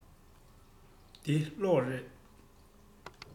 འདི གློག རེད